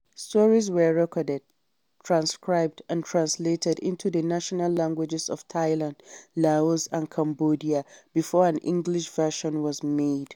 Stories were recorded, transcribed, and translated into the national languages of Thailand, Laos, and Cambodia before an English version was made.